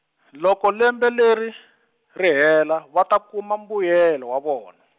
loko lembe leri, ri hela, va ta kuma mbuyelo wa vona.